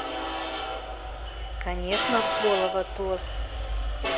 конечно полого тост